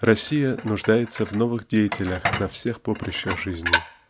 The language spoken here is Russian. Россия нуждается в новых деятелях на всех поприщах жизни